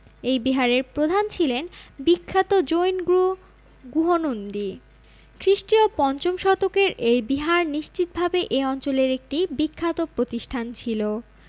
এই বিহারের প্রধান ছিলেন বিখ্যাত জৈন গুরু গুহনন্দী খ্রিস্টীয় ৫ম শতকের এই বিহার নিশ্চিতভাবে এ অঞ্চলের একটি বিখ্যাত প্রতিষ্ঠান ছিল